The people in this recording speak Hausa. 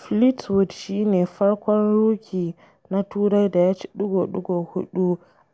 Fleetwood shi ne farkon rookie na Turai da ya ci ɗigo-ɗigo huɗu